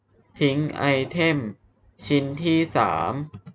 ทิ้งไอเทมชิ้นที่สาม